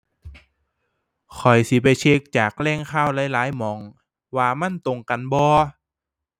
ข้อยสิไปเช็กจากแหล่งข่าวหลายหลายหม้อง ว่ามันตรงกันบ่